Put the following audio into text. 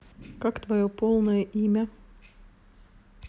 как твое полное имя